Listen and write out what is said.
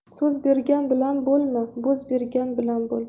so'z bergan bilan bo'lma bo'z bergan bilan bo'l